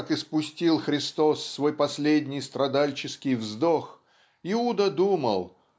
как испустил Христос свой последний страдальческий вздох Иуда думал